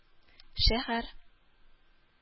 Шәһәр